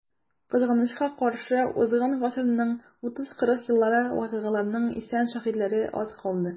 Кызганычка каршы, узган гасырның 30-40 еллары вакыйгаларының исән шаһитлары аз калды.